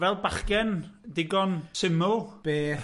Fel bachgen digon syml... Beth?